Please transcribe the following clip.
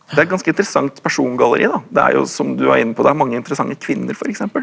det er ganske interessant persongalleri da det er jo som du var inne på det er mange interessante kvinner for eksempel.